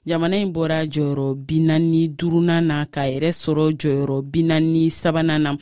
jamana in bɔra jɔyɔrɔ 45nan na ka na a yɛrɛ sɔrɔ jɔyɔrɔ 43nan na